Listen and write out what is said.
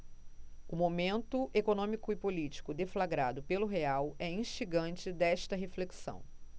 o momento econômico e político deflagrado pelo real é instigante desta reflexão